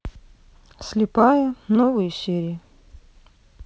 слепая новые серии